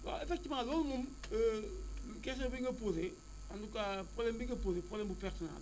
waaw effectivement loolu moom question bi nga posée en tout cas problème bi nga posé problème bu pertinent la